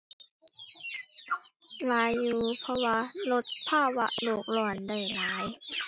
หลายอยู่ เพราะว่าลดภาวะโลกร้อนได้หลาย